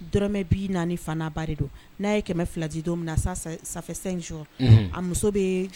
Dɔrɔmɛ bi naani fana ba don n'a ye kɛmɛ fila di don min ça fait 5 jours a muso bɛ ka